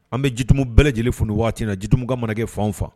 An bɛ Jitumu bɛɛ lajɛlen fo nin waati in na Jitumuka mana kɛ fan o fan .